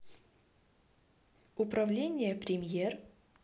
управление премьер